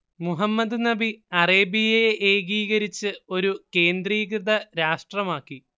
മുഹമ്മദ് നബി അറേബ്യയെ ഏകീകരിച്ച് ഒരു കേന്ദ്രീകൃത രാഷ്ട്രമാക്കി